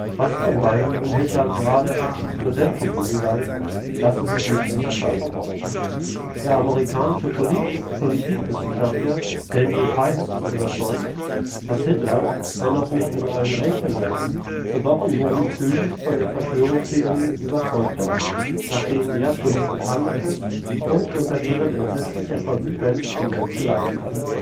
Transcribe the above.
Was von beiden in Hitler gerade aktiv präsent gewesen sei, lasse sich nicht unterscheiden. Der amerikanische Politikwissenschaftler Daniel Pipes ist überzeugt, dass Hitler, wenn auch nicht in allen Einzelheiten, so doch in großen Zügen von den Verschwörungstheorien überzeugt war, „ nach denen er politisch handelte und unter deren entsetzlicher Konsequenz die Welt zu leiden hatte